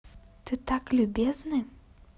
ты так любезны